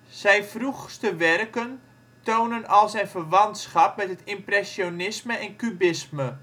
Zijn vroegste werken tonen al zijn verwantschap met het impressionisme en kubisme